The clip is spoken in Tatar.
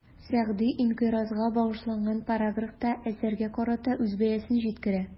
Сәгъди «инкыйраз»га багышланган параграфта, әсәргә карата үз бәясен җиткерә.